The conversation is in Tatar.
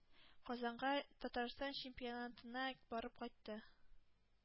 Казанга Татарстан чемпионатына барып кайтты.